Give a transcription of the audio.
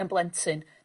yn blentyn